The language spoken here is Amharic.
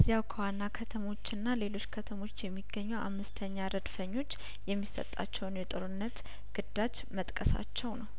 ዚያው ከዋናው ከተሞችና ሌሎች ከተሞች የሚገኘው አምስተኛ ረድፈ ኞች የሚሰጣቸውን የጦር ግዳጅ መጥቀሳቸው ነው